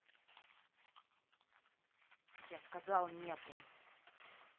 я сказал нету